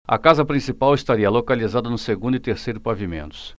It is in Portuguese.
a casa principal estaria localizada no segundo e terceiro pavimentos